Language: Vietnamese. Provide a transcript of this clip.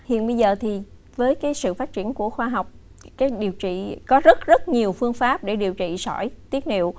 hiện bây giờ thì với cái sự phát triển của khoa học cái điều trị có rất rất nhiều phương pháp để điều trị sỏi tiết niệu